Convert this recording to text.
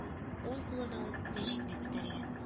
Уң кулына ул мәҗитне күтәргән